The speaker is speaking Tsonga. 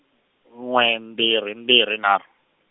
n'we mbirhi mbirhi nharhu.